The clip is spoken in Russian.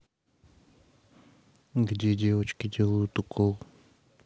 где девочки делают укол